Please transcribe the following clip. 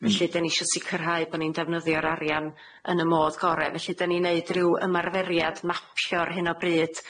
Felly 'den ni isio sicrhau bo' ni'n defnyddio'r arian yn y modd gore. Felly 'den ni'n neud ryw ymarferiad mapio ar hyn o bryd